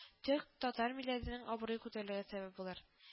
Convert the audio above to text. Төрек-татар милләтенең абруе күтәрелүгә сәбәп булыр